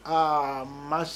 Aa ma